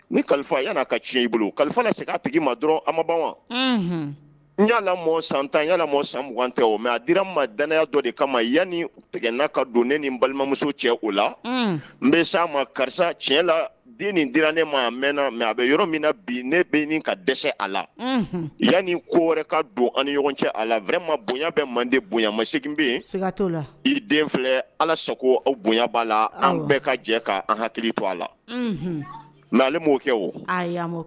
Ni kalifa a yala ka tiɲɛ i bolo kalifa segin a tigi ma dɔrɔn ama wa n yala san tan yala san mugan tɛ mɛ a dira ma dya dɔ de kama yanni tigɛ n'a ka don ne ni balimamuso cɛ o la n bɛ s a ma karisa tiɲɛ la den nin dira ne ma mɛnna mɛ a bɛ yɔrɔ min na bi ne bɛ nin ka dɛsɛ a la yanni koɛ ka don ani ɲɔgɔn cɛ a la ma bonya bɛ mande bonya masegin bɛ yen la i den filɛ ala sago aw bonya b'a la an bɛɛ ka jɛ k'an hakili to a la mɛ aleo kɛ o